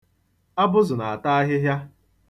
Abụzụ na-ata ahịhịa.